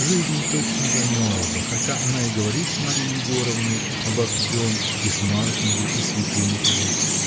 Жизнь точно замерзла, хотя она и говорит с Марьей Егоровной обо всем, и с Марфинькой, и с Викентьевым.